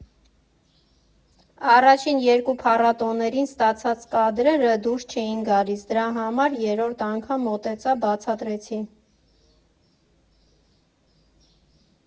Առաջին երկու փառատոներին ստացած կադրերը դուրս չէին գալիս, դրա համար երրորդ անգամ մոտեցա, բացատրեցի։